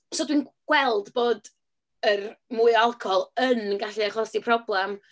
So dwi'n gweld bod yr mwy o alcohol yn gallu achosi problem.